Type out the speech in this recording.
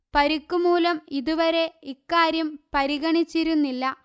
പരിക്കു മൂലം ഇതുവരെ ഇക്കാര്യം പരിഗണിച്ചിരുന്നില്ല